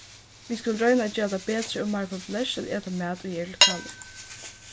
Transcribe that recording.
vit skulu royna at gera tað betri og meira populert at eta mat ið er lokalur